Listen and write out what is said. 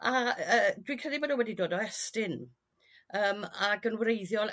A yrr dwi'n credu bo nhw wedi dod o estyn yrm ag yn wreiddiol